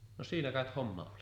no siinä kai homma oli